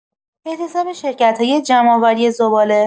اعتصاب شرکت‌های جمع‌آوری زباله